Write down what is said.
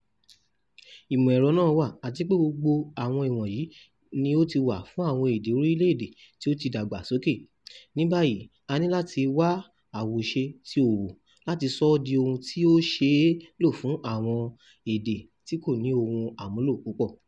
Ìmọ̀ ẹ̀rọ náà wà àti pé gbogbo àwọn ìwọ̀nyí ni ó ti wà fún àwọn èdè orílẹ̀ èdè tí wọ́n ti dàgbà sókè, ní báyìí a ní láti wá àwòṣe ti òwò láti sọ ọ́ dí ohun tí ó ṣeé lò fún àwọn èdè tí kò ní ohun àmúlò púpọ̀.